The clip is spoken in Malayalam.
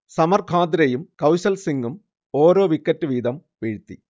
സമർ ഖ്വാദ്രയും കൗശൽ സിങ്ങും ഓരോ വിക്കറ്റ് വീതം വീഴ്ത്തി